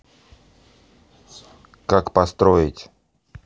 как построить